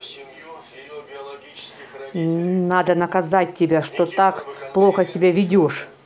надо наказать тебе что так плохо себя ведешь